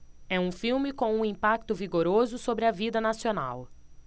é um filme com um impacto vigoroso sobre a vida nacional